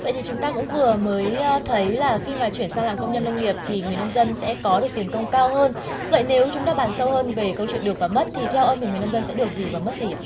vậy thì chúng ta vừa mới thấy là khi mà chuyển sang làm công nhân nông nghiệp thì người nông dân sẽ có được tiền công cao hơn vậy nếu chúng ta bàn sâu hơn về câu chuyện được và mất thì theo ông những người nông dân sẽ được gì và mất gì ạ